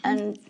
yn